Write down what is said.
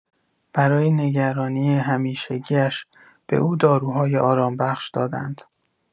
برای نگرانی همیشگی‌اش به او داروهای آرام‌بخش دادند.